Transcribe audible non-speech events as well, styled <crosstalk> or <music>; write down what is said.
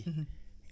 <hesitation> <hesitation>